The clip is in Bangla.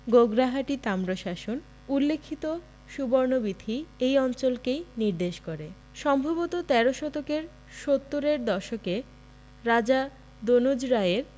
গোগরাহাটি তাম্রশাসন উলেখিত সুবর্ণবীথি এই অঞ্চলকেই নির্দেশ করে সম্ভবত তেরো শতকের সত্তর দশকে রাজা দনুজ রায়ের